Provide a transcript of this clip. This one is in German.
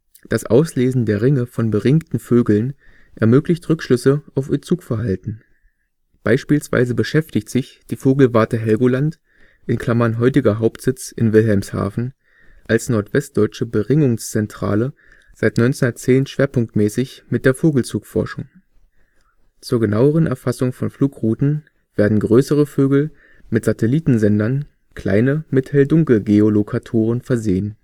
Das Auslesen der Ringe von beringten Vögeln ermöglicht Rückschlüsse auf ihr Zugverhalten. Beispielsweise beschäftigt sich die Vogelwarte Helgoland (heutiger Hauptsitz in Wilhelmshaven) als nordwestdeutsche Beringungszentrale seit 1910 schwerpunktmäßig mit der Vogelzugforschung. Zur genaueren Erfassung von Flugrouten werden größere Vögel mit Satellitensendern, kleine mit Helldunkelgeolokatoren versehen